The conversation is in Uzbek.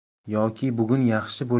yoki bugun yaxshi